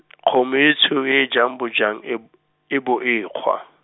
kgomo e tshweu e e jang bojang e b-, e bo e kgwa.